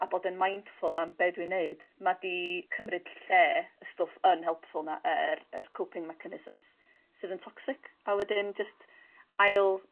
a bod yn mindful am be' dwi'n neud ma' 'di cymryd lle y stwff unhelpful 'na y- yr yr coping mechanism sydd yn toxic a wedyn jyst ail